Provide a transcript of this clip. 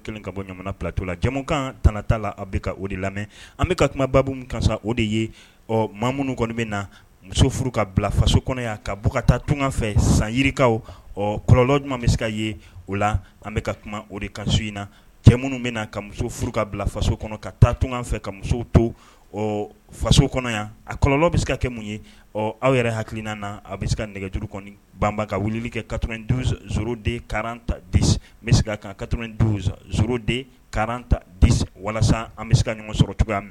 Bɔ kan la de lamɛn an bɛ ka kumababu min kan o de ye ɔ ma minnu kɔni bɛ na muso ka bila faso kɔnɔ yan ka ka taa tungafɛ san yirikaw kɔlɔnlɔ ɲuman bɛ se ka ye o la an bɛka ka kuma o de kan so in na cɛ minnu bɛ ka muso furu ka bila faso kɔnɔ ka taa tunkanfɛ ka muso to ɔ faso kɔnɔ yan a kɔlɔnlɔ bɛ se ka kɛ mun ye ɔ aw yɛrɛ hakilinan na a bɛ se ka nɛgɛjuru kɔnɔ banba ka wulili kɛ kato srodi ka se kan kato duuru sroden ka ta di walasa an bɛ se ka ɲɔgɔn sɔrɔ cogoya